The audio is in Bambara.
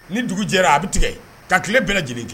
Ni dugu jɛra a bɛ tigɛ ka tile bɛɛ lajɛlen kɛ